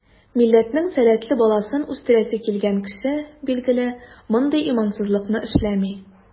Милләтнең сәләтле баласын үстерәсе килгән кеше, билгеле, мондый имансызлыкны эшләми.